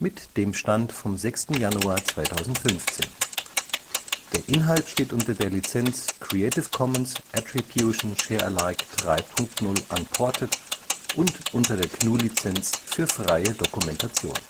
Mit dem Stand vom Der Inhalt steht unter der Lizenz Creative Commons Attribution Share Alike 3 Punkt 0 Unported und unter der GNU Lizenz für freie Dokumentation